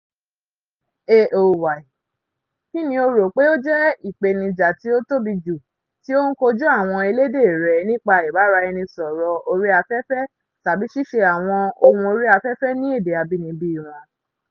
(AOY): Kínni o rò pé ó jẹ́ ìpèníjà tí ó tóbi jù tí ó ń kojú àwọn elédè rẹ nípa ìbáraẹnisọ̀rọ̀ orí afẹ́fẹ́ tàbí ṣíṣe àwọn ohun orí afẹ́fẹ́ ní èdè abínibí wọn?